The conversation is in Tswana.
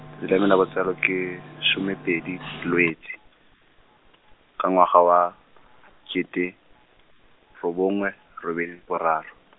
la me la botsalo ke, some pedi Lwetse, ka ngwaga wa, kete, robongwe, robedi, boraro .